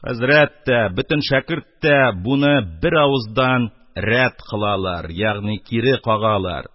Хәзрәт тә, бөтен шәкерт тә буны беравыздан рәд кылалар ягъни кире кагалар